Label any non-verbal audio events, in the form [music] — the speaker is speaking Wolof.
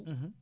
[hesitation] [hesitation]